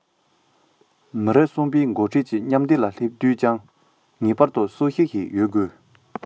མི རབས གསུམ པའི འགོ ཁྲིད ཀྱི མཉམ བསྡེབ ལ སླེབས དུས ཀྱང ངེས པར དུ སྲོག ཤིང ཞིག ཡོད དགོས